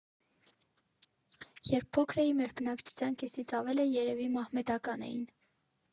Երբ փոքր էի, մեր բնակչության կեսից ավելը երևի մահմեդական էին։